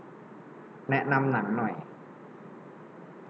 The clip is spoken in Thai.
แนะนำหนังหน่อย